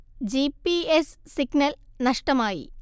ജീ P S signal നഷ്ടമായി